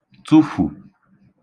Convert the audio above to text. tụfù